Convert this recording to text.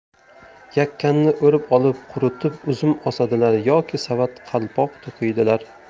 yakanni o'rib olib quritib uzum osadilar yoki savat qalpoq to'qiydilar